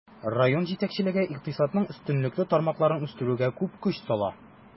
Район җитәкчелеге икътисадның өстенлекле тармакларын үстерүгә күп көч сала.